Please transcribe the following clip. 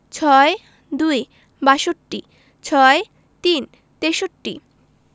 ৬২ বাষট্টি ৬৩ তেষট্টি